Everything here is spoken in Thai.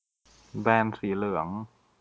แบนสีเหลือง